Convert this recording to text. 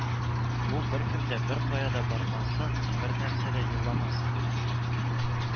Бу беркем дә беркая да бармасын, бернәрсә дә юлламасын